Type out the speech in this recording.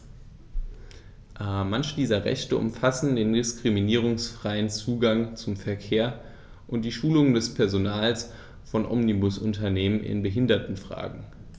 Manche dieser Rechte umfassen den diskriminierungsfreien Zugang zum Verkehr und die Schulung des Personals von Omnibusunternehmen in Behindertenfragen.